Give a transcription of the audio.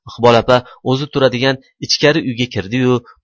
iqbol opa o'zi turadigan ichkari uyga kirdi yu